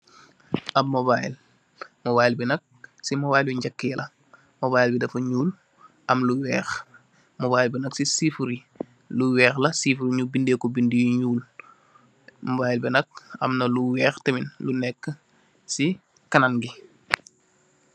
Ab mobile, mobile bi nak ci mobile yu nya ki ye la. Mobile bi dafa ñuul am lu weeh, mobile bi nak ci sifur yi lu weeh la, sifur yi bindè ko bindi yu ñuul. Mobile bi nak amna lu weeh tamit lu nekk ci kanam ngi.